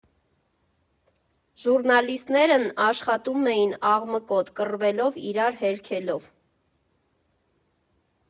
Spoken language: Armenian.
Ժուռնալիստներն աշխատում էին աղմկոտ, կռվելով, իրար հերքելով։